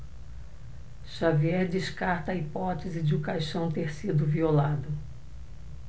xavier descarta a hipótese de o caixão ter sido violado